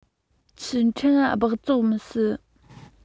ཆུ ཕྲེན སྦགས བཙོག མི སྲིད